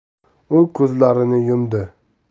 u ko'zlarini yumdi